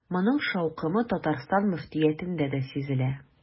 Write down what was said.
Моның шаукымы Татарстан мөфтиятендә дә сизелә.